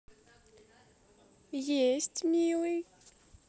есть милый